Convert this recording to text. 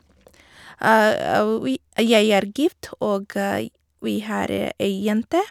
vi Jeg er gift, og j vi har ei jente.